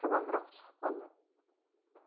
mehribonroq chiqib qoldi